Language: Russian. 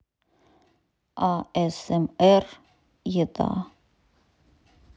асмр еда